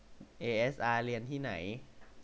เอเอสอาร์เรียนที่ไหน